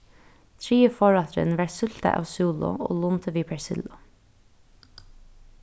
triði forrætturin var súlta av súlu og lundi við persillu